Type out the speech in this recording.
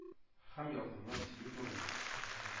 Һәм ялкынлы сөюе турында.